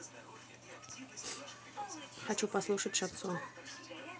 хочу послушать шансон